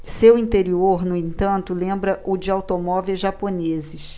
seu interior no entanto lembra o de automóveis japoneses